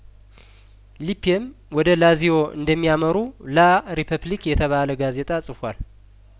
ሊፔም ወደ ላዚዮ እንደሚያመሩ ላሪፐብሊክ የተባለጋዜጣ ጽፏል